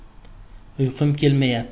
uyqum kelmayapti